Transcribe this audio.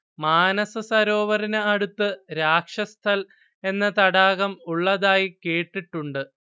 മാനസസരോവറിന് അടുത്ത് രാക്ഷസ്ഥൽ എന്ന തടാകം ഉളളതായി കേട്ടിട്ടുണ്ട്